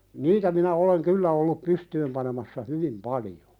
niitä minä olen kyllä ollut pystyyn panemassa hyvin paljon